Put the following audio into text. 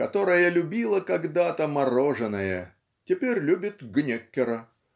которая любила когда-то мороженое теперь любит Гнеккера